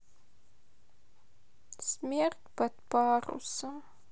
смерть под парусом